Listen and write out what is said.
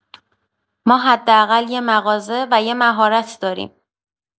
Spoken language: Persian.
ما حداقل یه مغازه و یه مهارت داریم.